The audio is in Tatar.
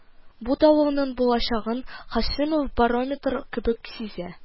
Бу давылның булачагын Һашимов барометр кебек сизә